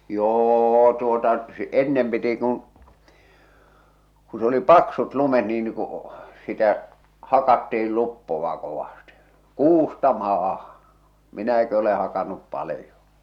jo tuota se ennen piti kun kun se oli paksut lumet niin ne kun sitä hakattiin luppoa kovasti kuusta maahan minäkin olen hakannut paljon